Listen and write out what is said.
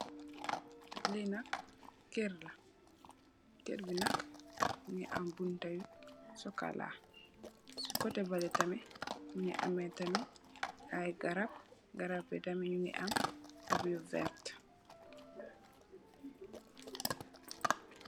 Lenak kerr la .kerr bi nak mu gi am bunta bu sokola. Si koteh bele tamit munge ameh tamit ai garap yi tamit munge ameh hop yu verter.